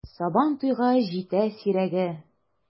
Сабан туйга җитә сирәге!